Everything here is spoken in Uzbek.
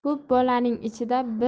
ko'p bolaning ichida